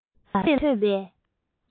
རྩོམ རིག ལ ཐོས པའི